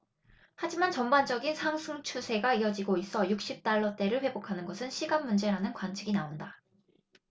하지만 전반적인 상승 추세가 이어지고 있어 육십 달러대를 회복하는 것은 시간문제라는 관측이 나온다